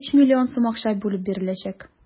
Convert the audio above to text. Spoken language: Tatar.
3 млн сум акча бүлеп биреләчәк.